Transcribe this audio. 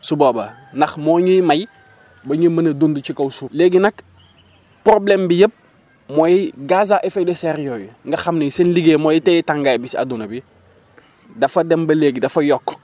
su boobaa ndax moo ñuy may ba ñu mën a dund ci kaw suuf léegi nag problème bi yëpp mooy gaz à effet de serre yooyu nga xam ni seen liggéey mooy téye tàngaay bi si adduna bi dafa dem ba léegi dafa yokk